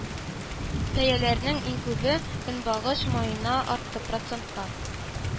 Бәяләрнең иң күбе көнбагыш маена артты – процентка